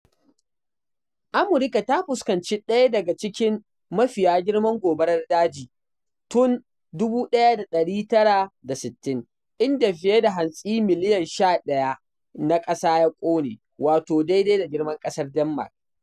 Amurka ta fuskanci ɗaya daga cikin mafiya girman gobarar daji tun 1960, inda fiye da hantsi miliyan 11 na ƙasa ya ƙone (wato daidai da girman ƙasar Denmark).